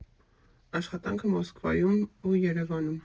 ԱՇԽԱՏԱՆՔԸ ՄՈՍԿՎԱՅՈՒՄ ՈՒ ԵՐԵՎԱՆՈՒՄ։